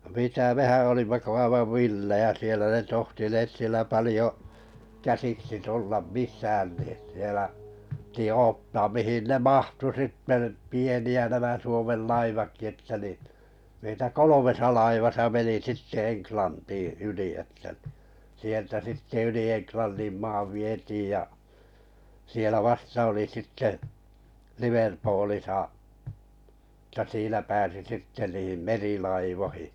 mitä mehän olimme kuin aivan villejä siellä ne tohtineet siellä paljon käsiksi tulla missään niin siellä piti odottaa mihin ne mahtui sitten että pieniä nämä Suomen laivatkin että niin meitä kolmessa laivassa meni sitten Englantiin yli että niin sieltä sitten yli Englannin maan vietiin ja siellä vasta oli sitten Liverpoolissa että siinä pääsi sitten niin merilaivoihin